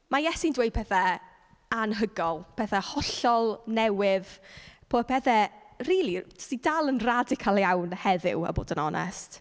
Ma' Iesu'n dweud pethe anhygoel, pethe hollol newydd, p- pethe rili sy dal yn radical iawn heddiw, a bod yn onest.